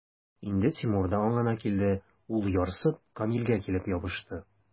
Инде Тимур да аңына килде, ул, ярсып, Камилгә килеп ябышты.